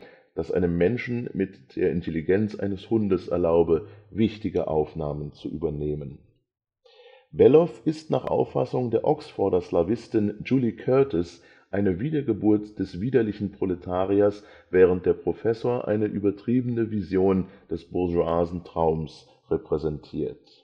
das einem Menschen mit der Intelligenz eines Hundes erlaube, wichtige Aufgaben zu übernehmen. Bellow ist nach Auffassung der Oxforder Slawistin Julie Curtis eine Wiedergeburt des widerlichen Proletariers, während der Professor eine übertriebene Vision des bourgeoisen Traums repräsentiert